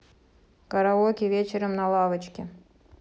караоке вечером на лавочке